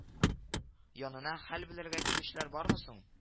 — янына хәл белергә килүчеләр бармы соң